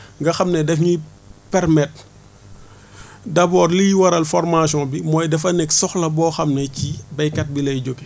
nga xam ne daf ñuy permettre d' abord liy waral formation bi mooy dafa nekk soxla boo xam ne ci béyat bi lay jóge